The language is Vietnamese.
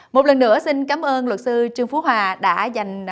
một lần nữa xin cám ơn luật sư trương phú hà đã dành